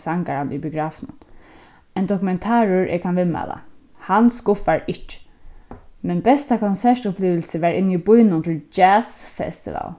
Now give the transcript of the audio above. sangaran í biografinum ein dokumentarur eg kann viðmæla hann skuffar ikki men besta konsertupplivilsið var inni í býnum til jazz festival